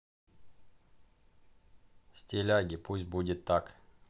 стиляги пусть будет так